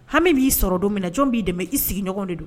Hami b'i sɔrɔ don min jɔn b'i dɛmɛ i sigiɲɔgɔn de don